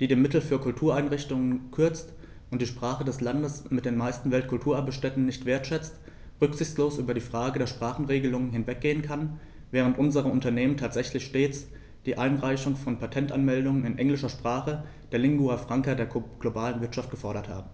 die die Mittel für Kultureinrichtungen kürzt und die Sprache des Landes mit den meisten Weltkulturerbe-Stätten nicht wertschätzt, rücksichtslos über die Frage der Sprachenregelung hinweggehen kann, während unsere Unternehmen tatsächlich stets die Einreichung von Patentanmeldungen in englischer Sprache, der Lingua Franca der globalen Wirtschaft, gefordert haben.